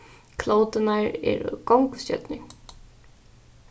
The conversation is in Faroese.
klóturnar eru gongustjørnur